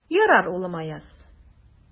Ярар, улым, Аяз.